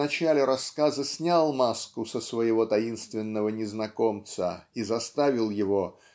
в начале рассказа снял маску со своего таинственного незнакомца и заставил его